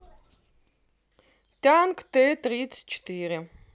танк т тридцать четыре